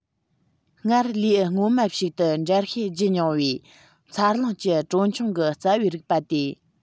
སྔར ལེའུ སྔོན མ ཞིག ཏུ འགྲེལ བཤད བགྱི མྱོང བའི འཚར ལོངས ཀྱི གྲོན ཆུང གི རྩ བའི རིགས པ དེ